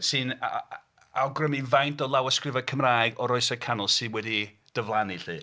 Sy'n a- a- awgrymu faint o lawysgrifau Cymraeg o'r Oesau Canol sydd wedi diflannu 'lly.